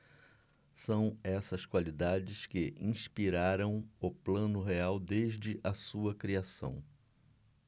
são essas qualidades que inspiraram o plano real desde a sua criação